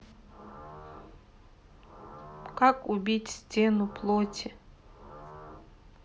как убить стену плоти